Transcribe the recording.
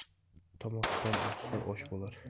tomoqdan o'tsa osh bo'lar